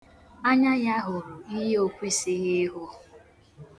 Anya ya hụrụ ihe o kwesighị ịhụ.